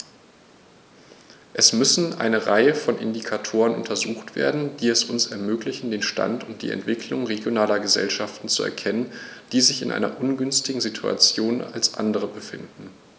Es müssen eine Reihe von Indikatoren untersucht werden, die es uns ermöglichen, den Stand und die Entwicklung regionaler Gesellschaften zu erkennen, die sich in einer ungünstigeren Situation als andere befinden.